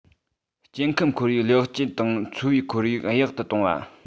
སྐྱེ ཁམས ཁོར ཡུག ལེགས བཅོས དང འཚོ བའི ཁོར ཡུག ཡག ཏུ གཏོང བ